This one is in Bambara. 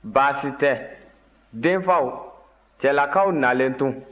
baasi tɛ denfaw cɛlakaw nalen tun